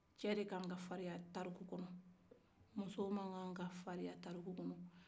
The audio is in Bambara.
cɛ de kan ka fariya tariku kɔnɔ muso ma kan ka fariya tariku kɔnɔ